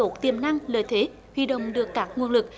tiềm năng lợi thế huy động được các nguồn lực